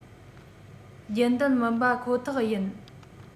རྒྱུན ལྡན མིན པ ཁོ ཐག ཡིན